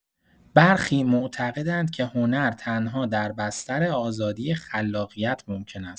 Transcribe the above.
برخی معتقدند که هنر تنها در بستر آزادی خلاقیت ممکن است.